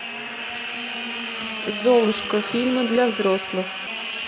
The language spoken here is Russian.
золушка фильмы для взрослых